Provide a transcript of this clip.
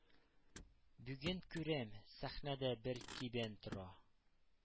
Бүген күрәм: сәхнәдә бер кибән тора –